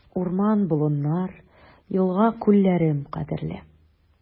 Урман-болыннар, елга-күлләрем кадерле.